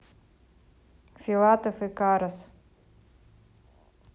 филатов и карас